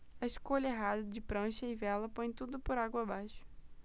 a escolha errada de prancha e vela põe tudo por água abaixo